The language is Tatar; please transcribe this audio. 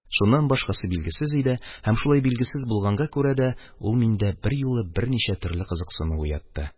Шуннан башкасы билгесез иде һәм шулай билгесез булганга күрә дә, ул миндә берьюлы берничә төрле кызыксыну уятты.